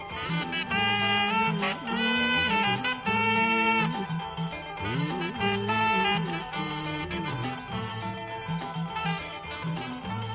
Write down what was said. Maa mɛ diɲɛ diɲɛ kelen diɲɛ